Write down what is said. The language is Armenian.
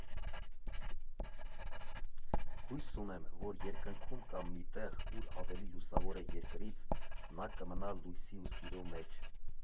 Հույս ունեմ, որ երկնքում կամ մի տեղ, ուր ավելի լուսավոր է երկրից՝ նա կմնա լույսի ու սիրո մեջ։